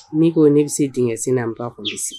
N'i ko ne bɛ se dsin na n ba kun bi